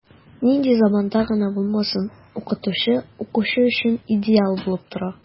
Нинди заманда гына булмасын, укытучы укучы өчен идеал булып тора.